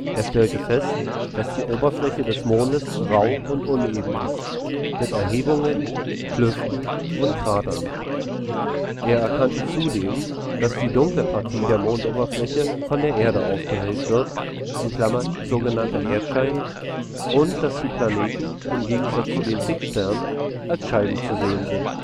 Er stellte fest, dass die Oberfläche des Mondes rau und uneben ist, mit Erhebungen, Klüften und Kratern. Er erkannte zudem, dass die dunkle Partie der Mondoberfläche von der Erde aufgehellt wird (sog. Erdschein) und dass die Planeten – im Gegensatz zu den Fixsternen – als Scheiben zu sehen sind